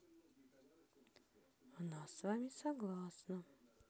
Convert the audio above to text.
она с вами согласна